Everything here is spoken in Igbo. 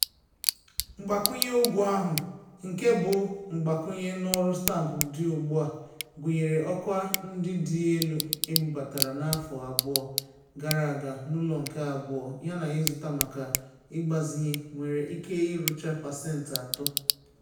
Mgbakwunye ụgwọ ahụ - nke bụ mgbakwunye n’ọrụ stampụ dị ugbu a, gụnyere ọkwa ndị dị elu ebubatara n’afọ abụọ gara aga n’ụlọ nke abụọ yana ịzụta-maka-ịgbazinye - nwere ike irucha pasentị atọ.